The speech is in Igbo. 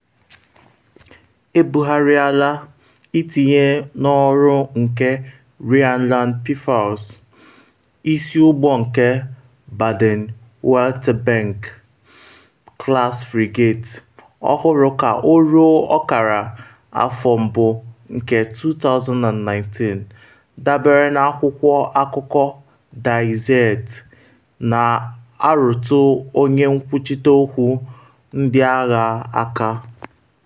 Ebugharịala itinye n’ọrụ nke “Rheinland-Pfalz,” isi ụgbọ nke Baden-Wuerttemberg-class frigate ọhụrụ ka o ruo ọkara afọ mbu nke 2019, dabere na akwụkwọ akụkọ Die Zeit, na-arụtụ onye nkwuchite okwu ndị agha aka.